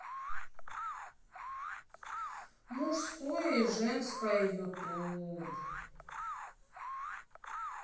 мужское и женское ютуб